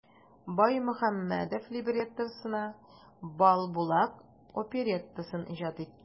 Баймөхәммәдев либреттосына "Балбулак" опереттасын иҗат итә.